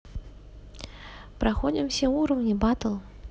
проходим все уровни батл